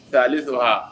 Sali sora